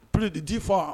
Purdi di fɔ wa